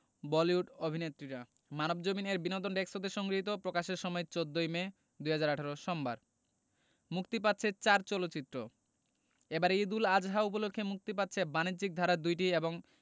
বলিউড অভিনেত্রীরা মানবজমিন এর বিনোদন ডেস্ক হতে সংগৃহীত প্রকাশের সময় ১৪ মে ২০১৮ সোমবার ঈদে মুক্তি পাচ্ছে চার চলচ্চিত্র এবারের ঈদ উল আযহা উপলক্ষে মুক্তি পাচ্ছে বাণিজ্যিক ধারার দুটি এবং